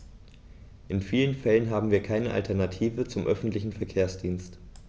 In vielen Fällen haben wir keine Alternative zum öffentlichen Verkehrsdienst.